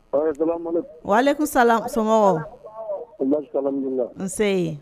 Wa sa nse